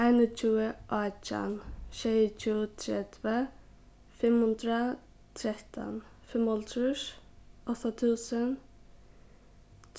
einogtjúgu átjan sjeyogtjúgu tretivu fimm hundrað trettan fimmoghálvtrýss átta túsund